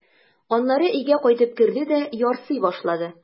Аннары өйгә кайтып керде дә ярсый башлады.